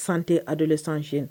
Santé adolescents jeunes